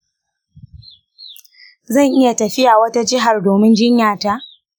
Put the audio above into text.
zan iya tafiya wata jihar don jiyya ta?